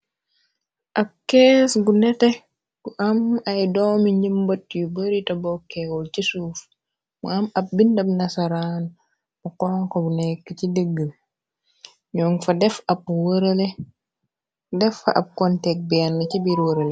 Ak kees gu nete gu am ay doomi njëmbët yu barita bokkeewul ci suuf mu am ab bindam na saraan mu konk bu nekk ci dëgg ñooŋ f defa ab kontek bern ci biir wërale.